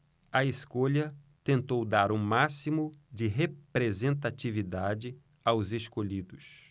a escolha tentou dar o máximo de representatividade aos escolhidos